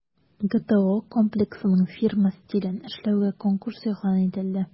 ГТО Комплексының фирма стилен эшләүгә конкурс игълан ителде.